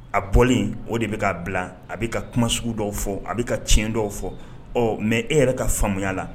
A bɔli o de bi ka bila a bi ka kuma sugu dɔw fɔ. A bi ka tiɲɛ dɔw fɔ . Mais e yɛrɛ ka faamuya la